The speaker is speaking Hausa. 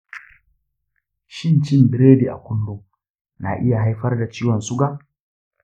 shin cin biredi a kullum na iya haifar da ciwon suga?